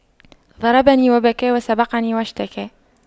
ضربني وبكى وسبقني واشتكى